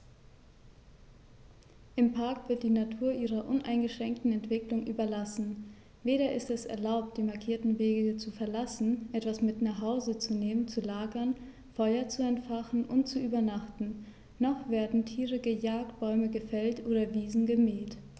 Im Park wird die Natur ihrer uneingeschränkten Entwicklung überlassen; weder ist es erlaubt, die markierten Wege zu verlassen, etwas mit nach Hause zu nehmen, zu lagern, Feuer zu entfachen und zu übernachten, noch werden Tiere gejagt, Bäume gefällt oder Wiesen gemäht.